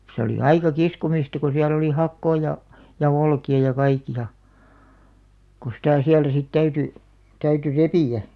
se oli aika kiskomista kun siellä oli hakoa ja ja olkia ja kaikkia kun sitä sieltä sitten täytyi täytyi repiä